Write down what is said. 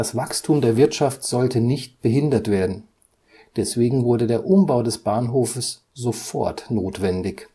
Wachstum der Wirtschaft sollte nicht behindert werden, deswegen wurde der Umbau des Bahnhofes sofort notwendig